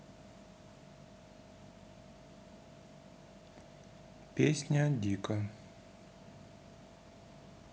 песня дико